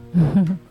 Unhun